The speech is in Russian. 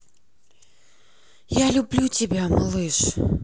я люблю тебя малыш